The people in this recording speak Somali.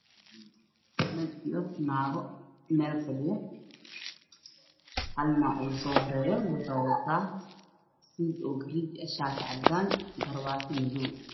niman iyo nago mel fadhiyo maclina ugusohoreyo waxu wataa suud oo girigah shaati cadan iyo garabti madaw